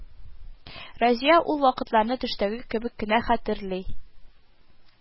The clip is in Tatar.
Разия ул вакытларны төштәге кебек кенә хәтерли